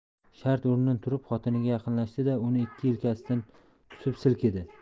shart o'rnidan turib xotiniga yaqinlashdi da uni ikki yelkasidan tutib silkidi